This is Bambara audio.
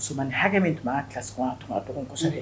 Musomanmani hakɛ min tun' ki tun b'a dɔgɔkunsɛbɛ